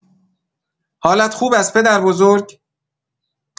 حالت خوب است پدربزرگ؟!